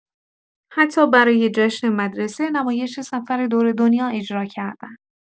حتی برای جشن مدرسه، نمایش سفر دور دنیا اجرا کردن.